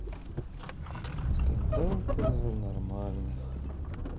скандал паранормальных